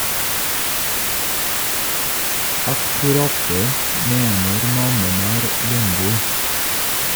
Aktoratet mener mannen er Longo.